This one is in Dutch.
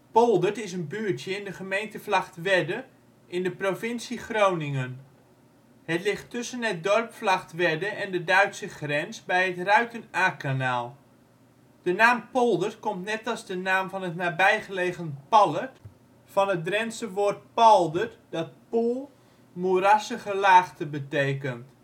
Poldert is een buurtje in de gemeente Vlagtwedde in de provincie Groningen. Het ligt tussen het dorp Vlagtwedde en de Duitse grens bij het Ruiten-Aa-kanaal. De naam Poldert komt net als de naam van het nabijgelegen Pallert van het Drentse woord palderd, dat poel. moerassige laagte betekent